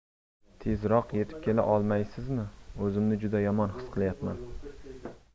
tezroq yetib kela olmaysizmi o'zimni juda yomon his qilayapman